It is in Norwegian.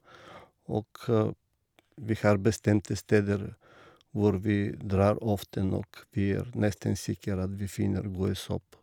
Og vi har bestemte steder hvor vi drar ofte, og vi er nesten sikker at vi finner gode sopp.